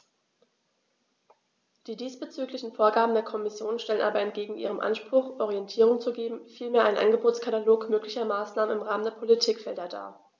Die diesbezüglichen Vorgaben der Kommission stellen aber entgegen ihrem Anspruch, Orientierung zu geben, vielmehr einen Angebotskatalog möglicher Maßnahmen im Rahmen der Politikfelder dar.